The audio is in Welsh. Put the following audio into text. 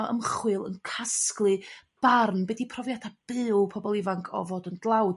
o ymchwil yn casglu barn be' 'dy profiadau byw pobl ifanc o fod yn dlawd?